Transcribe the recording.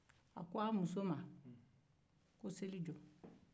a ko a muso ma ko seli jɔ